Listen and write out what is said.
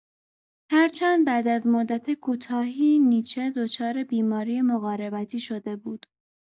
هرچند بعد از مدت کوتاهی نیچه دچار بیماری مقاربتی شده بود.